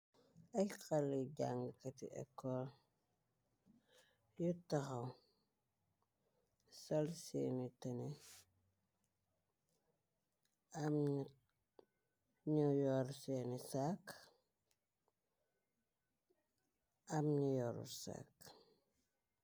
Ay xal jàng kati ecol yu taxaw sal seeni tene am nu yor seeni sakk am nu yorru sàkk.